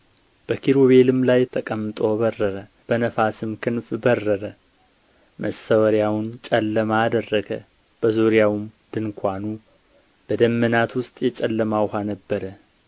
በኪሩቤልም ላይ ተቀምጦ በረረ በነፋስም ክንፍ በረረ መሰወሪያውን ጨለማ አደረገ በዙሪያውም ድንኳኑ በደመናት ውስጥ የጨለማ ውኃ ነበረ